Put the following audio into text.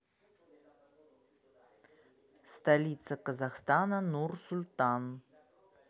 столица казахстана нурсултан